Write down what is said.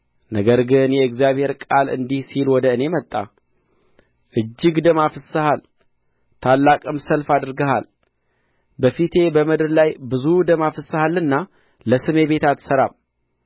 ነገር ግን የእግዚአብሔር ቃል እንዲህ ሲል ወደ እኔ መጣ እጅግ ደም አፍስሰሃል ታላቅም ሰልፍ አድርገሃል በፊቴ በምድር ላይ ብዙ ደም አፍስሰሃልና ለስሜ ቤት አትሠራም